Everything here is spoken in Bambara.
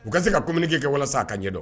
U ka se ka dumunibilike kɛ walasa sa ka ɲɛdɔn